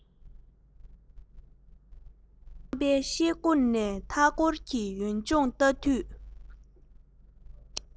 ཁང པའི ཤེལ སྒོ ནས ཕྱི རོལ གྱི ཡུལ ལྗོངས ལ བལྟ དུས